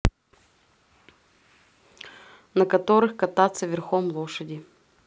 на которых кататься верхом лошади